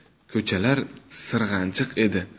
ko'chalar sirg'anchiq edi